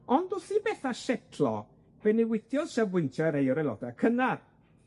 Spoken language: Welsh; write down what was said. Ond wrth i betha setlo, fe newidiodd sefbwyntia rhei o'r aelode cynnar.